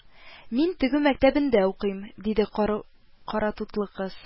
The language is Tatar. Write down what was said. Мин тегү мәктәбендә укыйм, диде каратутлы кыз